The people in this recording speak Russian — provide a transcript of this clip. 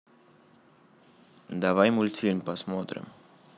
давай мультфильм посмотрим